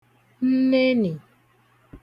nnenị̀